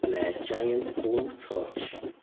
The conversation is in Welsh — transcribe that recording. Neu giant blowtorch.